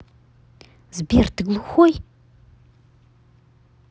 сбер ты глухой